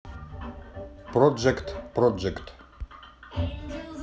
проджект проджект